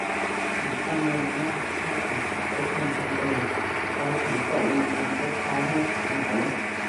ฉันกังวลว่าถ้าฉันขับรถชนคนอื่นแล้วฉันจะมีเงินชดใช้ให้เขาไหม